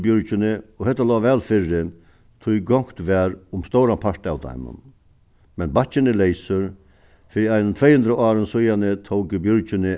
bjørgini og hetta lá væl fyri tí gongt var um stóran part av teimum men bakkin er leysur fyri einum tvey hundrað árum síðani tóku bjørgini